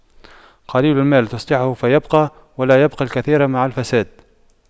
قليل المال تصلحه فيبقى ولا يبقى الكثير مع الفساد